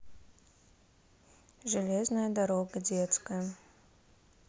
железная дорога детская